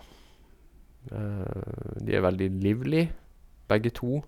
De er veldig livlig begge to.